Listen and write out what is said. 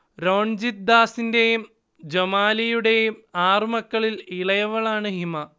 രോൺജിത് ദാസിന്റെയും ജൊമാലിയുടെയും ആറുമക്കളിൽ ഇളയവളാണ് ഹിമ